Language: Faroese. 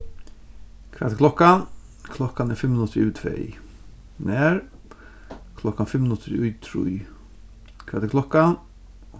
hvat er klokkan klokkan er fimm minuttir yvir tvey nær klokkan fimm minuttir í trý hvat er klokkan